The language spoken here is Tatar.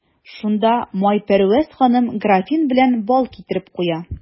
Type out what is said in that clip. Шунда Майпәрвәз ханым графин белән бал китереп куя.